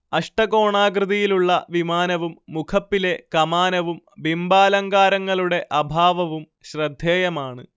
അഷ്ടകോണാകൃതിയിലുള്ള വിമാനവും മുഖപ്പിലെ കമാനവും ബിംബാലങ്കാരങ്ങളുടെ അഭാവവും ശ്രദ്ധേയമാണ്